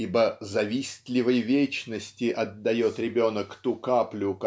ибо завистливой вечности отдает ребенок ту каплю